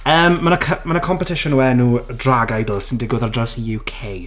Yym, ma' 'na c- ma' 'na competition o enw Drag Idol sy'n digwydd ar draws y UK.